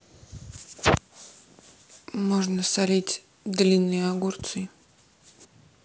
можно солить длинные огурцы